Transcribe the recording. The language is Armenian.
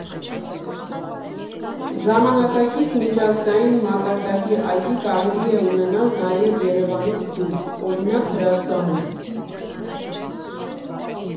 Ժամանակից, միջազգային մակարդակի այգի կարելի է ունենալ նաև Երևանից դուրս, օրինակ՝ Հրազդանում։